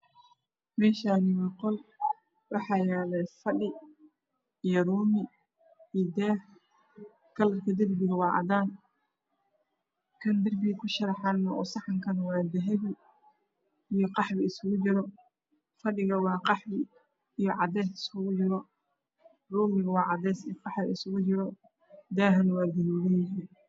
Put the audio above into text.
Mashan waa qol wax yalo fadhi kalar kisi waa qahwi iyo cadees rooganah waa madow iyo qahwi